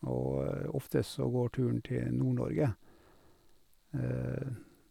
Og ofte så går turen til Nord-Norge,